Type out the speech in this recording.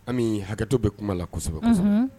An hakɛto bɛ kuma la kosɛbɛ